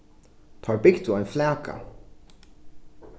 teir bygdu ein flaka